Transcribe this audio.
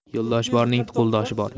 yo'ldoshi borning qo'ldoshi bor